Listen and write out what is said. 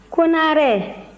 konarɛ